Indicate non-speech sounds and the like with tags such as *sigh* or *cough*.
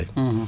*hesitation* *hesitation*